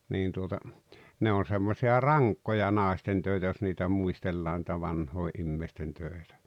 niin tuota ne on semmoisia rankkoja naistentöitä jos niitä muistellaan niitä vanhoja ihmisten töitä